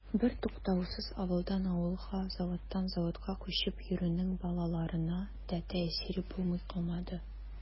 Бертуктаусыз авылдан авылга, заводтан заводка күчеп йөрүнең балаларына да тәэсире булмый калмады.